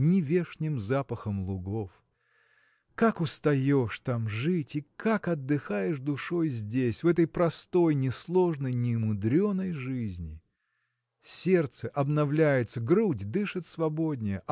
Ни вешним запахом лугов Как устаешь там жить и как отдыхаешь душой здесь в этой простой несложной немудреной жизни! Сердце обновляется грудь дышит свободнее